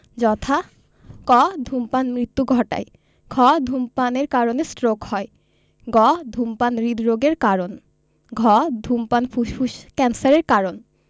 যথা ক ধূমপান মৃত্যু ঘটায় খ ধূমপানের কারণে ষ্ট্রোক হয় গ ধূমপান হৃদরোগের কারণ ঘ ধূমপান ফুসফুস ক্যান্সারের কারণ